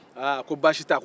a ko baasi tɛ